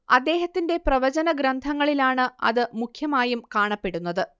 അദ്ദേഹത്തിന്റെ പ്രവചനഗ്രന്ഥങ്ങളിലാണ് അത് മുഖ്യമായും കാണപ്പെടുന്നത്